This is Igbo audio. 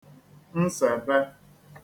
nsèbe